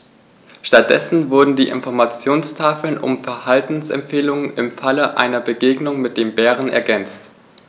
Stattdessen wurden die Informationstafeln um Verhaltensempfehlungen im Falle einer Begegnung mit dem Bären ergänzt.